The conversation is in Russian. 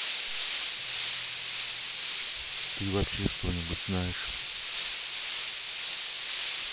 ты вообще что нибудь знаешь